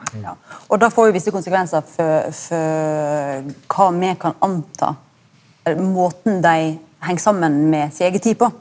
ja og det får jo visse konsekvensar for for kva me kan anta eller måten dei heng saman med si eiga tid på.